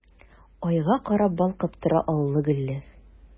Айга карап балкып тора аллы-гөлле!